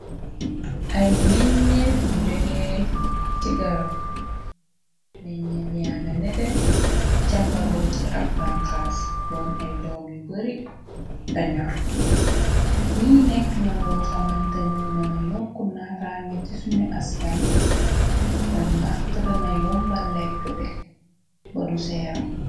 Ay meññeef yu jogee ci garab meñeef yanga nete càmbaroo ci ab branxas doon ay doom yu bari te ñor lii nekk na loo xamanta ni dana yokk nataange ci suñu askan da ndax te dana yombal lekk be ba du seer.